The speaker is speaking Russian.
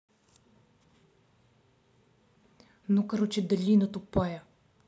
ну короче долина тупая